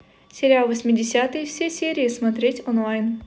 сериал восьмидесятые все серии смотреть онлайн